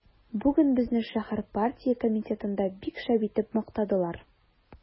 Бүген безне шәһәр партия комитетында бик шәп итеп мактадылар.